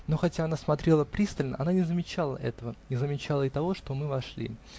Но хотя она смотрела пристально, она не замечала этого, не замечала и того, что мы вошли.